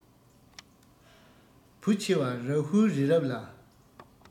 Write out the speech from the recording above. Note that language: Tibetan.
བུ ཆེ བ རཱ ཧུས རི རབ ལ